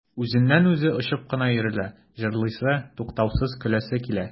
Үзеннән-үзе очып кына йөрелә, җырлыйсы, туктаусыз көләсе килә.